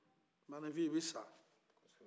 maanifin i bɛ sa